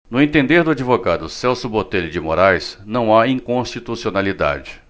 no entender do advogado celso botelho de moraes não há inconstitucionalidade